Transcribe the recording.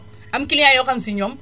am client yoo xam si ñoom